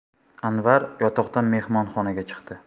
anvar yotoqdan mehmonxonaga chiqdi